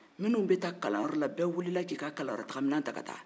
minnu bɛ taa kalan yɔrɔ la bɛɛ wuli la k'i ka kalanyɔrɔtaa minɛn ta ka taa